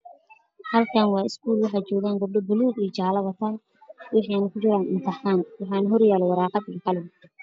Halkan waxa jogo gabdho watoo balug iyo jalo kunajiro imtixan hortalo warqad cad